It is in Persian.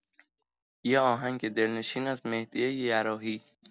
یه آهنگ دلنشین از مهدی یراحی